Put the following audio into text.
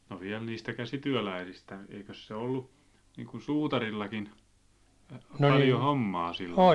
no vielä niistä käsityöläisistä eikös se ollut niin kuin suutarillakin paljon hommaa silloin